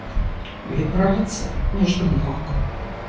вибрация между ног